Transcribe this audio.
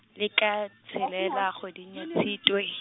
le ka, tshelela kgweding ya Tshitwe.